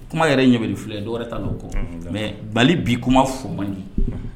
Kuma yɛrɛ ɲɛri fila ye dɔw ta n'o kɔ mɛ bali bi kuma fɔmaɲ